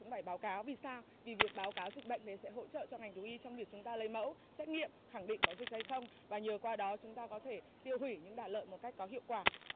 cũng phải báo cáo vì sao vì việc báo cáo dịch bệnh đấy sẽ hỗ trợ cho ngành thú y trong việc chúng ta lấy mẫu xét nghiệm khẳng định có dịch hay không và nhờ qua đó chúng ta có thể tiêu hủy những đàn lợn một cách có hiệu quả